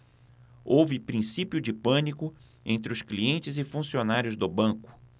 houve princípio de pânico entre os clientes e funcionários do banco